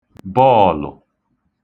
bọọ̀lụ̀